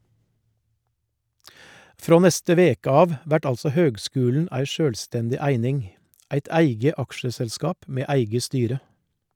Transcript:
Frå neste veke av vert altså høgskulen ei sjølvstendig eining, eit eige aksjeselskap med eige styre.